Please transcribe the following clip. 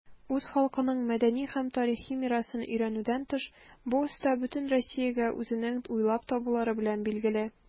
Үз халкының мәдәни һәм тарихи мирасын өйрәнүдән тыш, бу оста бөтен Россиягә үзенең уйлап табулары белән билгеле.